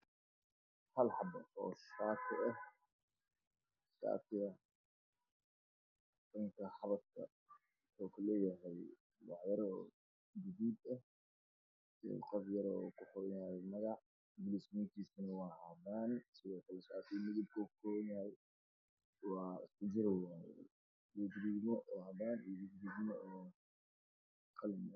Waa ii muuqdo shaar midabkiisu yahay caddaan iyo dambas oo gacma dheere ah waxa uuna saaran yahay boonbale